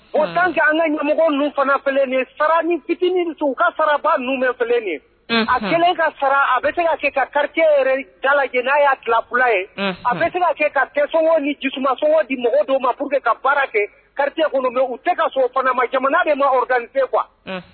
O dan kɛ an ka ɲɛmɔgɔ ninnu fana sara ni bit u ka faraba a kelen ka fara a bɛ'a kɛ ka gari yɛrɛ dala na yula ye a bɛ kɛ ka kɛ niuma sɔn di mɔgɔw don ma ka baara kɛ kari bɛ u tɛ so o fana ma jamana de maka tɛ kuwa